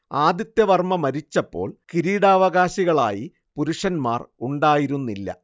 ആദിത്യവർമ്മ മരിച്ചപ്പോൾ കിരീടാവകാശികളായി പുരുഷന്മാർ ഉണ്ടായിരുന്നില്ല